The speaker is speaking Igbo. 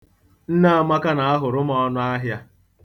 Nne amaka na-ahụrụ m ọnụ ahịa